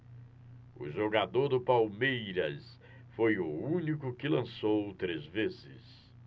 o jogador do palmeiras foi o único que lançou três vezes